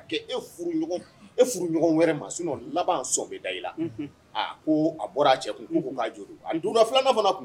E ɲɔgɔn wɛrɛ ma sinon laban sɔn bɛ da i la, unhun, aa ko a bɔra a cɛ kun, k'u ko k'a jo don, a dora 2nan fana kun.